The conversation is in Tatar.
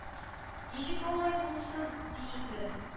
Ничек алай булсын ди инде